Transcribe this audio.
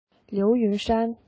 ལིའུ ཡུན ཧྲན